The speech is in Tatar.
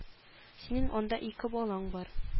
Синең анда ике балаң бар